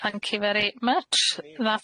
Thank you very much that's it.